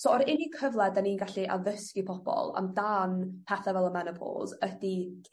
So yr unig cyfle 'dan ni'n gallu addysgu pobol amdan pethe fel y menopos ydi